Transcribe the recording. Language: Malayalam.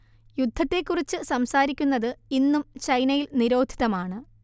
യുദ്ധത്തെക്കുറിച്ച് സംസാരിക്കുന്നത് ഇന്നും ചൈനയിൽ നിരോധിതമാണ്